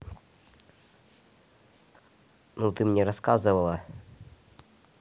но ты мне рассказывала